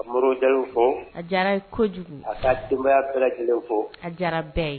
An bɛ Moribo Jalo fo. A diyar'a ye kojugu! k'a ka denbaya bɛɛ lajɛlen fo. A diyara bɛɛ ye.